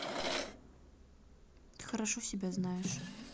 ты хорошо себя знаешь